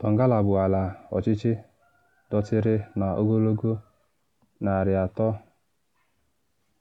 Donggala bụ ala ọchịchị dọtịrị n’ogologo 300